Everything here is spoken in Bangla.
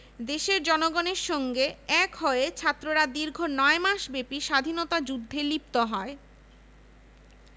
ফলে তখন ঢাকা কলেজ ও জগন্নাথ কলেজে শুধু ইন্টারমিডিয়েট পর্যায়ের ছাত্রদের শিক্ষাদান অব্যাহত থাকে এর ফলে বিশ্ববিদ্যালয়ে প্রাথমিক পর্যায়ে ছাত্র সমস্যার সমাধান হয়